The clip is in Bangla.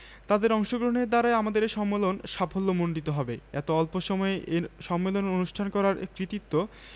তাদের অংশগ্রহণের দ্বারা আমাদের এ সম্মেলন সাফল্যমণ্ডিত হবে এত অল্প এ সম্মেলন অনুষ্ঠান করার কৃতিত্ব